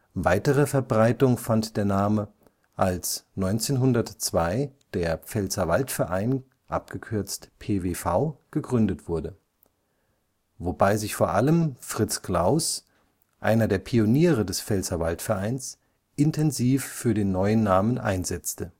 Weitere Verbreitung fand der Name, als 1902 der Pfälzerwald-Verein (PWV) gegründet wurde, wobei sich vor allem Fritz Claus, einer der Pioniere des PWV, intensiv für den neuen Namen einsetzte